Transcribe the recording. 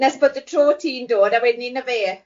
...nes bod y tro ti'n dod a wedyn ni na fe.